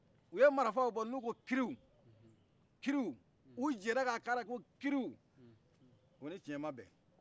u ye marifaw bɔ n'u ko kiriw kiriw u jɛra ka kala ko kiriw o ni tiyen ma bɛn